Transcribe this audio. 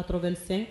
85